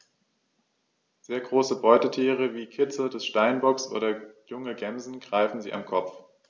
Sehr große Beutetiere wie Kitze des Steinbocks oder junge Gämsen greifen sie am Kopf.